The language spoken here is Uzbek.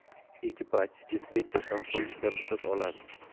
ekipaj dispetcherdan qo'nishga ruxsat oladi